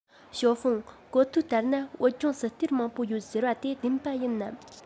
ཞའོ ཧྥུང གོ ཐོས ལྟར ན བོད ལྗོངས སུ གཏེར མང པོ ཡོད ཟེར བ དེ བདེན པ ཡིན ནམ